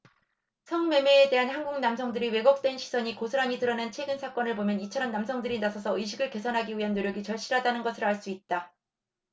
성 매매에 대한 한국 남성들의 왜곡된 시선이 고스란히 드러난 최근 사건을 보면 이처럼 남성들이 나서서 의식을 개선하기 위한 노력이 절실하다는 것을 알 수 있다